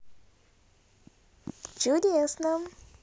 чудесно